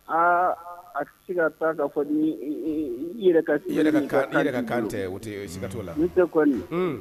Aa a se ka taa ka fɔ yɛrɛ ka kan tɛ sika to la n tɛ ko